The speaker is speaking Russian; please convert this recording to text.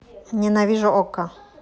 ненавижу okko